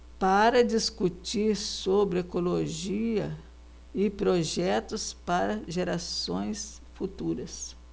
para discutir sobre ecologia e projetos para gerações futuras